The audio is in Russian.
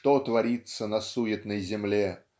что творится на суетной земле